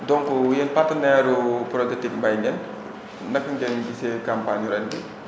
donc yéen partenaires projet Ticmbay ngeen naka ngeen gisee campagne ñu ren gi